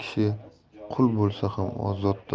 kishi qul bo'lsa ham ozoddir